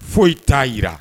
Foyi t'a jira